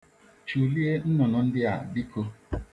Chụlie nnụnnụ ndị a biko.